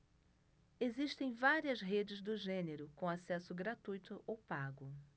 existem várias redes do gênero com acesso gratuito ou pago